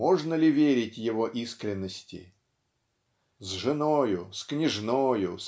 можно ли верить его искренности? С женою с княжною